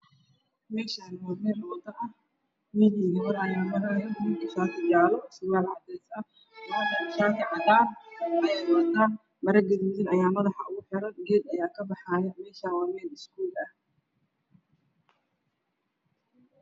Meeshaan waa meel wado ah nin iyo gabar ayaa maraayo. Ninku shaati jaalo surwaal cadeys ah. Gabadhana shaati cadaan ah ayay wadataa maro gaduudan ayaa madaxa ugu xiran. geed ayaa kabaxaayo meesha waa iskuul ah.